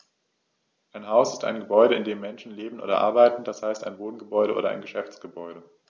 Ein Haus ist ein Gebäude, in dem Menschen leben oder arbeiten, d. h. ein Wohngebäude oder Geschäftsgebäude.